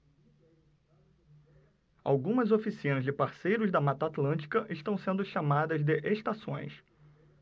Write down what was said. algumas oficinas de parceiros da mata atlântica estão sendo chamadas de estações